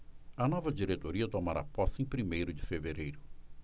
a nova diretoria tomará posse em primeiro de fevereiro